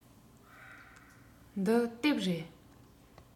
འདི དེབ རེད